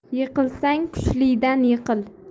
yiqilsang kuchlidan yiqil